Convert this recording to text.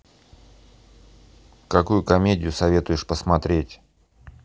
какую комедию советуешь посмотреть